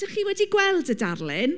Dach chi wedi gweld y darlun?